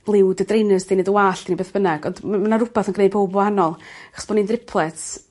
liw dy dreinyrs di neu dy wallt neu beth bynnag ond m- ma' 'na rwbath yn gneud powb wahanol. 'Chos bo' ni'n driplets